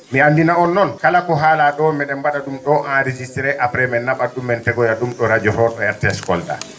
mi anndina on noon kala ko haalaa ?o mi?en mba?a ?um ?o enregistré après min na?at ?umen tegoya ?um ?o radio to RTS Kolda